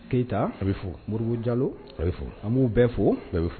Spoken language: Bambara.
Keyita a bɛ fɔ mori jalo a bɛ fɔ an b'u bɛɛ fo bɛɛ bɛ fɔ